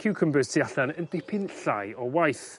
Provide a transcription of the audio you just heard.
ciwcymbyrs tu allan yn dipyn llai o waith